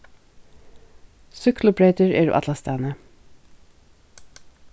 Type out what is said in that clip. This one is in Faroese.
súkklubreytir eru allastaðni